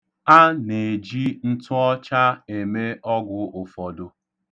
A na-eji ntụọcha eme ọgwụ ụfọdụ.